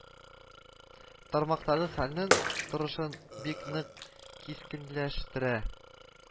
Тармактагы хәлнең торышын бик нык кискенләштерә